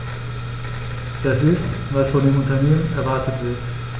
Das ist, was von den Unternehmen erwartet wird.